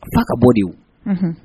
A ka kan ka bɔ de wo, unhun.